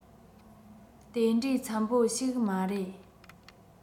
དེ འདྲའི འཚམས པོ ཞིག མ རེད